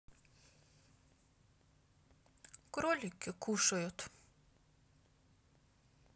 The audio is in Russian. кролики кушают